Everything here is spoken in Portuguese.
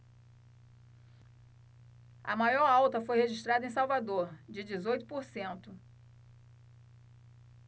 a maior alta foi registrada em salvador de dezoito por cento